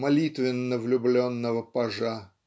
молитвенно влюбленного пажа.